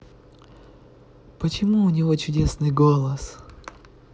почему у него чудесный голос